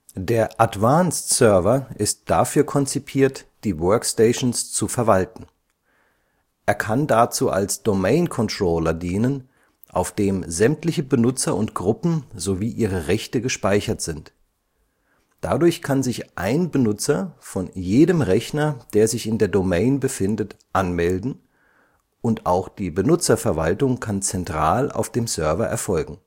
Der Advanced Server ist dafür konzipiert, die Workstations zu verwalten. Er kann dazu als Domain Controller dienen, auf dem sämtliche Benutzer und Gruppen sowie ihre Rechte gespeichert sind. Dadurch kann sich ein Benutzer von jedem Rechner, der sich in der Domain befindet, anmelden, und auch die Benutzerverwaltung kann zentral auf dem Server erfolgen